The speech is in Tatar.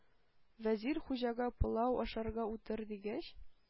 Вәзир Хуҗага, пылау ашарга утыр, дигәч,